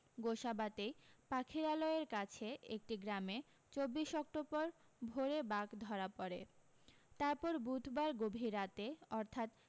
গোসাবাতেই পাখিরালয়ের কাছে একটি গ্রামে চব্বিশ অক্টোবর ভোরে বাঘ ধরা পড়ে তারপর বুধবার গভীর রাতে অর্থাৎ